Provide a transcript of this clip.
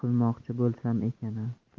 qilmoqchi bo'lsam ekana